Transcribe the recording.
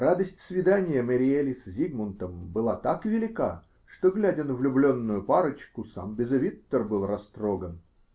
Радость свидания Мэриели с Зигмунтом была так велика, что, глядя на влюбленную парочку, сам Безевиттер был растроган.